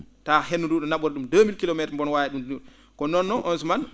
taa henndu nduu ?i na?a ?um 2000 kilos métre mboonin waawi ?um diwde ko noon oon suma?